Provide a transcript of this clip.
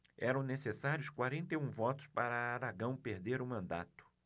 eram necessários quarenta e um votos para aragão perder o mandato